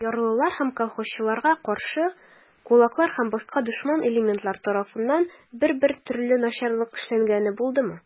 Ярлылар һәм колхозчыларга каршы кулаклар һәм башка дошман элементлар тарафыннан бер-бер төрле начарлык эшләнгәне булдымы?